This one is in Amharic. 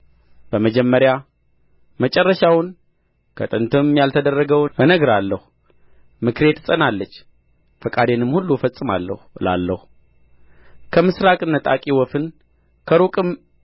በመጀመሪያ መጨረሻውን ከጥንትም ያልተደረገውን እነግራለሁ ምክሬ ትጸናለች ፈቃዴንም ሁሉ እፈጽማለሁ እላለሁ ከምሥራቅ ነጣቂ ወፍን ከሩቅም